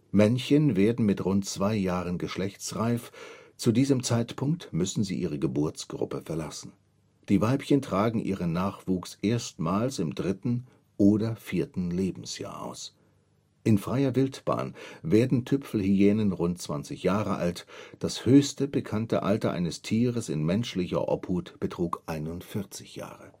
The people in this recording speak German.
Männchen werden mit rund zwei Jahren geschlechtsreif, zu diesem Zeitpunkt müssen sie ihre Geburtsgruppe verlassen. Die Weibchen tragen ihren Nachwuchs erstmals im dritten oder vierten Lebensjahr aus. In freier Wildbahn werden Tüpfelhyänen rund 20 Jahre alt, das höchste bekannte Alter eines Tieres in menschlicher Obhut betrug 41 Jahre